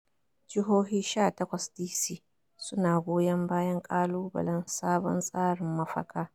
Jihohi 18, D.C. su na goyon bayan kalubalen sabon tsarin mafaka